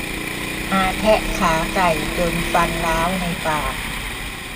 อาแทะขาไก่จนฟันร้าวในปาก